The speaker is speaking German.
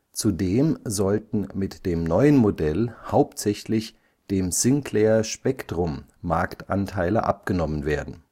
Zudem sollten mit dem neuen Modell hauptsächlich dem Sinclair Spectrum Marktanteile abgenommen werden